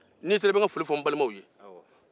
n'i sera i bɛ n ka foli fɔ n balimaw ye